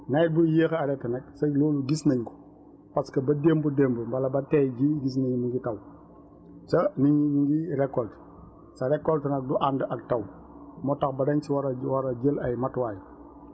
nawet buy yéex a arrêté nag sëñ bi loolu gis nañ ko parce que ba démb démb wala ba tay jii gis nañ mi ngi taw te nit ñi ñu ngi récolter te récolte nag du ànd ak taw moo tax ba dañ si war a war a jël ay matuwaay